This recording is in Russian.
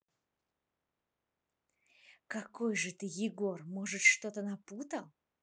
какой же ты егор может что то напутал